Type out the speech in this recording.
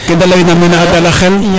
ke de leyna mene a dala xel